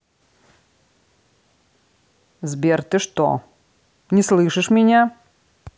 сбер ты что не слышишь меня